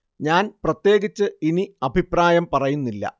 ഞാൻ പ്രത്യേകിച്ച് ഇനി അഭിപ്രായം പറയുന്നില്ല